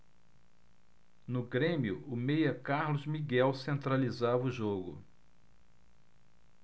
no grêmio o meia carlos miguel centralizava o jogo